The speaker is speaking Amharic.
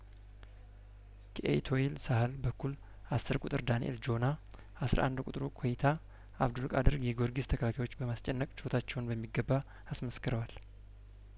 በኤቶይል ሳህል በኩል አስር ቁጥር ዳንኤል ጆና አስራ አንድ ቁጥሩ ኩዬታ አብዱል ቃድር የጊዮርጊስ ተከላካዮች በማስጨነቅ ችሎታቸውን በሚገባ አስመስክረዋል